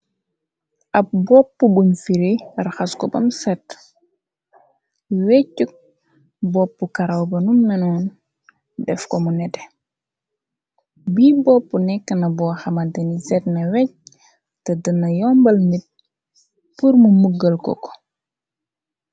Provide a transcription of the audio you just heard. Ab boppu buñ firee raxas ko bam set weccuk bopp karaw banu nenoon def ko mu nete bi bopp nekkna boo xama dani zetna wej te dana yombal nit pur mu muggal ko ko.